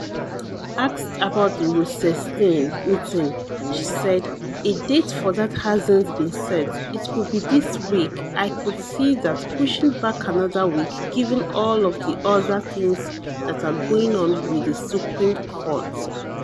Asked about the Rosenstein meeting, she said: "A date for that hasn't been set, it could be this week, I could see that pushing back another week given all of the other things that are going on with the supreme court.